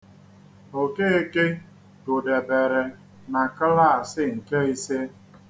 Okeke gụdebere na klaasị nke ise.